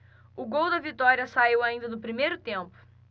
o gol da vitória saiu ainda no primeiro tempo